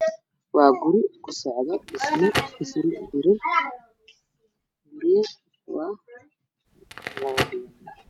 Waa guri kusocdo dhismo suran biro guriga waa labo biyano